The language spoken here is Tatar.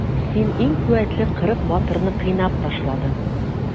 Син иң куәтле кырык батырны кыйнап ташладың.